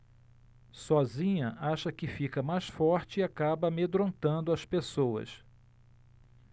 sozinha acha que fica mais forte e acaba amedrontando as pessoas